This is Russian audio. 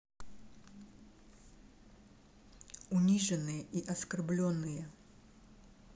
униженные и оскорбленные